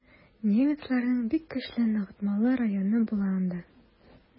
Немецларның бик көчле ныгытмалы районы була анда.